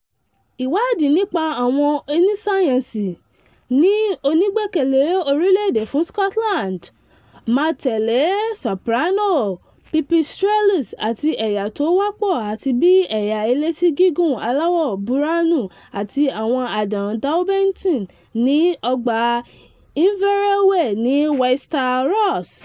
Ìwádìí nípaṣẹ̀ àwọn oníṣáyẹ́ǹsì ní Onígbẹkẹ̀lé Orílẹ̀-èdè fún Scotland máa tẹ̀lé soprano pipistrelles àti ẹ̀yà tó wapọ̀ àti bíi ẹ̀yà elétí-gígùn aláwọ̀ búránù àti àwọn àdán Daubenton ní Ọgbà Inverewe ní Wester Ross.